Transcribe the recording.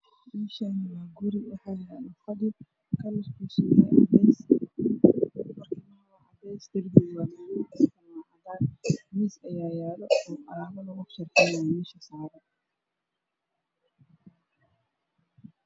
Meeshaan waa guri waxaa yaalo fadhi kalarkiisa uu yahay cadays barkimaha waa cadays darbigana waa modow jiifka waa cadaan miis ayaa yaalo oo alaabo lagu sharxay meesha saaran.